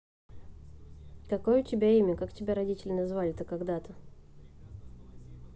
какое у тебя имя как тебя родители назвали то когда то